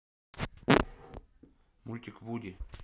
мультик вуди